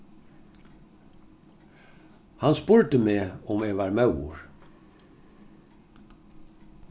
hann spurdi meg um eg var móður